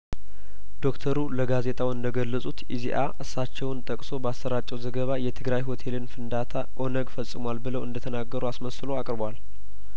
ዶክተሩ ለጋዜጣው እንደገለጹት ኢዜአ እሳቸውን ጠቅሶ ባሰራጨው ዘገባ የትግራይሆቴልን ፍንዳታ ኦነግ ፈጽሟል ብለው እንደተናገሩ አስመስሎ አቅርቧል